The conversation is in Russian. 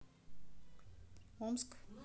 омск